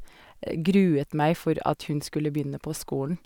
Gruet meg for at hun skulle begynne på skolen.